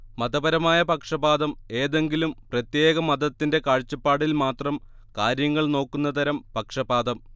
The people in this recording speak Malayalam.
മതപരമായ പക്ഷപാതം ഏതെങ്കിലും പ്രത്യേക മതത്തിന്റെ കാഴ്ചപ്പാടിൽ മാത്രം കാര്യങ്ങൾ നോക്കുന്ന തരം പക്ഷപാതം